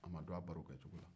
a ma dɔn a barokɛ cogo la